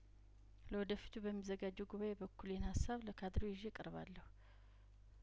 ለወደፊቱ በሚዘጋጀው ጉባኤ የበኩሌን ሀሳብ ለካድሬው ይዤ እቀርባለሁ